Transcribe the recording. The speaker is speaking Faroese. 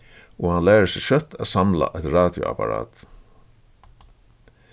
og hann lærir seg skjótt at samla eitt radioapparat